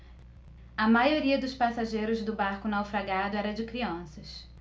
a maioria dos passageiros do barco naufragado era de crianças